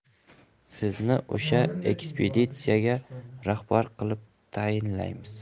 sizni o'sha ekspeditsiyaga rahbar qilib tayinlaymiz